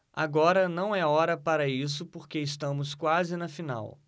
agora não é hora para isso porque estamos quase na final